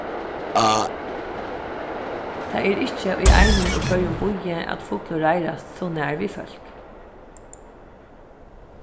tað er ikki í einum og hvørjum býi at fuglur reiðrast so nær við fólk